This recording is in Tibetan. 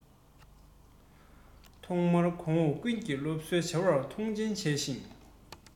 ཐོག མར གོང འོག ཀུན གྱིས སློབ གསོའི བྱ བར མཐོང ཆེན བྱས ཤིང